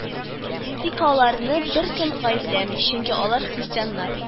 Тик аларны беркем гаепләми, чөнки алар христианнар